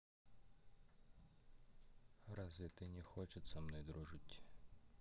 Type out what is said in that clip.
разве ты не хочет со мной дружить